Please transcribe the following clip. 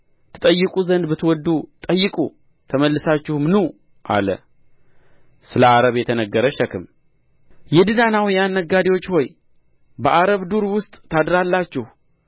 ትጠይቁ ዘንድ ብትወድዱ ጠይቁ ተመልሳችሁም ኑ አለ ስለ ዓረብ የተነገረ ሸክም የድዳናውያን ነጋዴዎች ሆይ በዓረብ ዱር ውስጥ ታድራላችሁ